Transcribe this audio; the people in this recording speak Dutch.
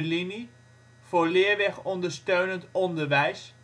Linie): voor Leerweg ondersteunend onderwijs